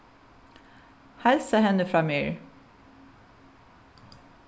heilsa henni frá mær